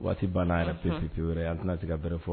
Waati banna yɛrɛ pepiteɛrɛ yan tɛnatigɛ karɛ fɔ